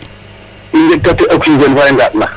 I njegkatee oxigéne fa i nqaaɗna